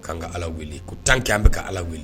Ka kan ka Ala wele ko tant que an bɛ ka Ala wele